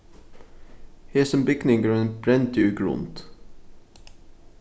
hesin bygningurin brendi í grund